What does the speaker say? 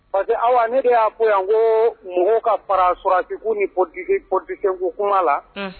Parce que aw ne de y'a fɔ yan ko mɔgɔw ka fara sɔrɔti ni p ptise ko kuma la